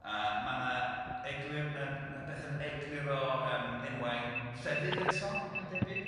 a ma' 'na eglur ma' ma' bethe'n eglur o yym enwau llefydd eto mae'n debyg.